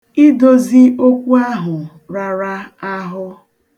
Idozi okwu ahụ rara ahụ.